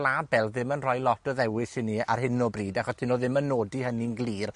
label ddim yn rhoi lot o ddewis i ni ar hyn o bryd, achos 'dyn nw ddim yn nodi hynny'n glir.